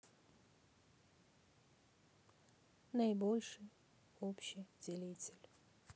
наибольший общий делитель